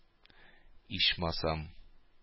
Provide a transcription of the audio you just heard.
Ичмасам